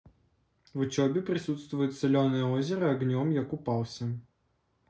в учебе присутствует соленое озеро огнем я купался